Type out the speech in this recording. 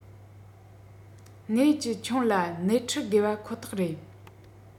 གནས ཀྱིས ཁྱོན ལ སྣེ ཁྲིད དགོས པ ཁོ ཐག རེད